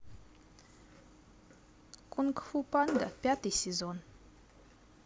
кунг фу панда пятый сезон